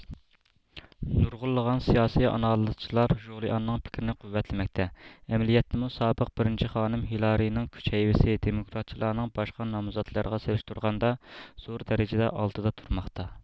نۇرغۇنلىغان سىياسىي ئانالىزچىلار ژولىئاننىڭ پىكرىنى قۇۋۋەتلىمەكتە ئەمەلىيەتتىمۇ سابىق بىرىنچى خانىم ھېلارىينىڭ كۈچ ھەيۋىسى دېموكراتچىلارنىڭ باشقا نامزاتلىرىغا سېلىشتۇرغاندا زور دەرىجىدە ئالدىدا تۇرماقتا